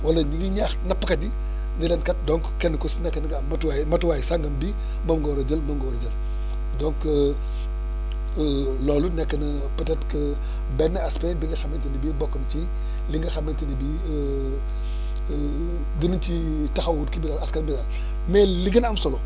wala ñu ngi ñaax nappkat yi ni leen kat donc kenn ku si nekk na nga am matuwaay matuwaay sangam bi moom nga war a jël moom nga war a jël donc loolu nekk na peut être que benn aspect bi nga xamante ne bii bokk na ci li nga xamante ne bii dinañ ci taxawu kii bi daal askan bi daal mais li gën a am solo